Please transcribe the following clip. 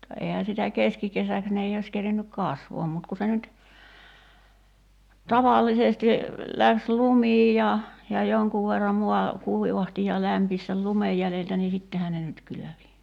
mutta eihän sitä keskikesäksi ne ei olisi kerinnyt kasvamaan mutta kun se nyt tavallisesti lähti lumikin ja ja jonkun verran maa kuivahti ja lämpisi sen lumen jäljiltä niin sittenhän ne nyt kylvi